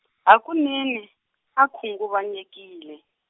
hakunene, a khunguvanyekile.